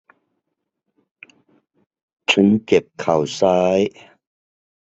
ฉันเจ็บเข่าซ้าย